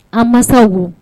An maw dogo